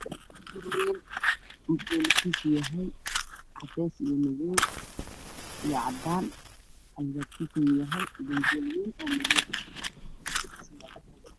Guri waaweyn mutuleelkiisu waa cadeys iyo madow iyo cadaan. Ganjeelkiisuna waa madow.